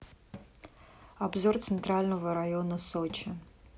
обзор центрального района сочи